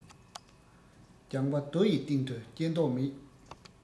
ལྗང པ རྡོ ཡི སྟེང དུ སྐྱེ མདོག མེད